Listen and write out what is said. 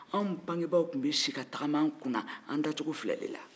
anw bangebaaw tun bɛ si ka tagama an kunna an dacogo filɛli la